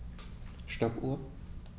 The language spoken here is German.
Stoppuhr.